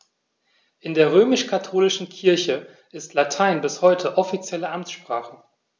In der römisch-katholischen Kirche ist Latein bis heute offizielle Amtssprache.